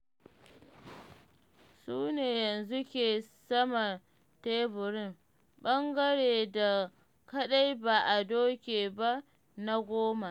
Su ne yanzu ke saman teburin, ɓangare da kaɗai ba a doke ba na goman.